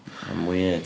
Am weird.